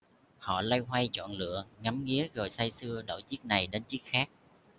họ loay hoay chọn lựa ngắm nghía rồi say sưa đổi chiếc này đến chiếc khác